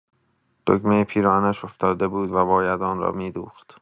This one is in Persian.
دگمۀ پیراهنش افتاده بود و باید آن را می‌دوخت.